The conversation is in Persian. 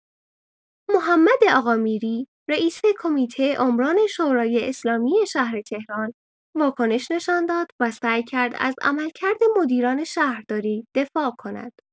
محمد آقامیری رئیس کمیته عمران شورای اسلامی شهر تهران واکنش نشان داد و سعی کرد از عملکرد مدیران شهرداری دفاع کند.